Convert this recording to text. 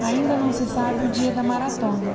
ainda não se sabe o dia da maratona